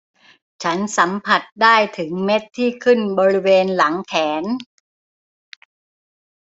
ฉันสัมผัสได้ถึงเม็ดที่ขึ้นบริเวณหลังแขน